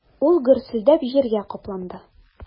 Ул гөрселдәп җиргә капланды.